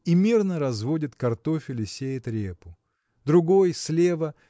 и мирно разводит картофель и сеет репу. Другой слева